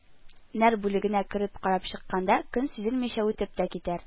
Нәр бүлегенә кереп карап чыкканда, көн сизелмичә үтеп тә китәр